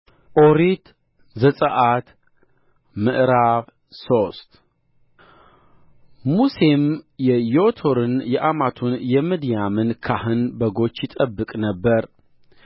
ኦሪት ዘጽአት ምዕራፍ ሶስት ሙሴም የዮቶርን የአማቱን የምድያምን ካህን በጎች ይጠብቅ ነበር